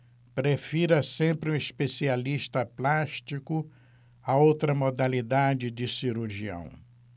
prefira sempre um especialista plástico a outra modalidade de cirurgião